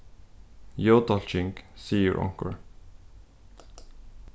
ljóðdálking sigur onkur